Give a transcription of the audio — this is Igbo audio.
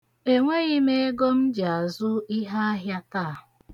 Enweghị m ego m ji azụ iheahịa taa.